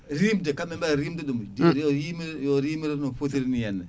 rimde kamɓe mbawi rimde ɗum yo rimire yo rimire no fotirini henna